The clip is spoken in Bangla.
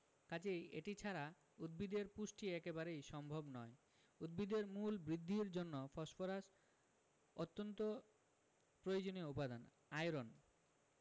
কাজেই এটি ছাড়া উদ্ভিদের পুষ্টি একেবারেই সম্ভব নয় উদ্ভিদের মূল বৃদ্ধির জন্য ফসফরাস অত্যন্ত প্রয়োজনীয় উপাদান আয়রন